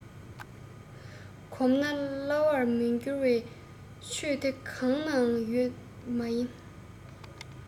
གོམས ན སླ བར མི འགྱུར བའི ཆོས དེ གང ནའང ཡོད མ ཡིན